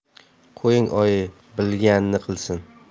qo'ying oyi bilganini qilsin